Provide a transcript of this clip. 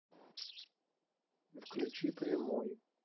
включи прямой